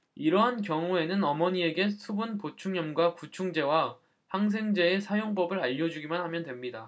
이러한 경우에는 어머니에게 수분 보충염과 구충제와 항생제의 사용법을 알려 주기만 하면 됩니다